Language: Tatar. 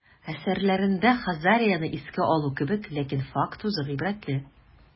Әсәрләрендә Хазарияне искә алу кебек, ләкин факт үзе гыйбрәтле.